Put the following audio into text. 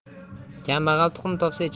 kambag'al tuxum topsa